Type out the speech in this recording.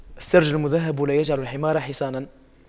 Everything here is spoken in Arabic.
السَّرْج المُذهَّب لا يجعلُ الحمار حصاناً